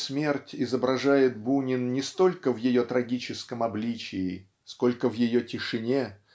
и смерть изображает Бунин не столько в ее трагическом обличий сколько в ее тишине